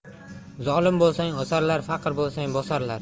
zolim bo'lsang osarlar faqir bo'lsang bosarlar